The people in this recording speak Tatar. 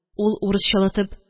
Ул, урысчалатып: